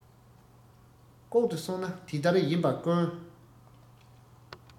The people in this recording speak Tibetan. ལྐོག ཏུ སོང ན དེ ལྟར ཡིན པ དཀོན